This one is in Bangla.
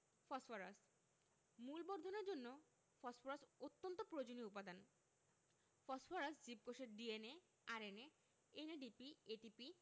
ফসফরাস মূল বর্ধনের জন্য ফসফরাস অত্যন্ত প্রয়োজনীয় উপাদান ফসফরাস জীবকোষের DNA RNA NADP ATP